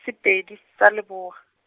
Sepedi sa Leboa.